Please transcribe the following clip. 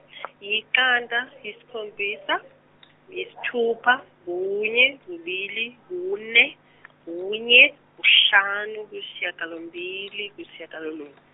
iqanda isikhombisa, isithupha kunye kubili kune , kunye kuhlanu kusishiyagalombili kusishiyagalolunye.